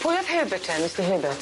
Pwy o'dd Herbert ten ?